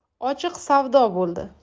ochiq savdo bo'ldi